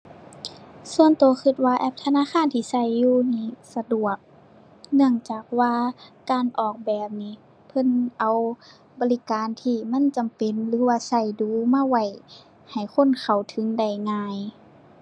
ส่วนตัวตัวว่าแอปธนาคารที่ตัวอยู่นี้สะดวก เนื่องจากว่าการออกแบบนี้ เพิ่นเอาบริการที่มันจำเป็นหรือว่าใช้ดู๋มาไว้ให้คนเข้าถึงได้ง่าย